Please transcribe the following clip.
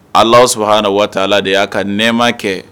Alaaw sabaha na waati de y'a ka nɛma kɛ